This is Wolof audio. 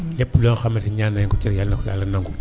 lépp loo xamante ne ñaan nañu ko ci yàlla na ko yàlla nangu